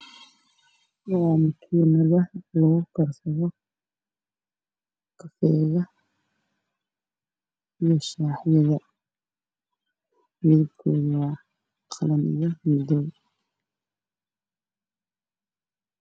Waa makiinado lagu karsado shaaxa